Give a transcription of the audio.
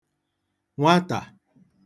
nwatà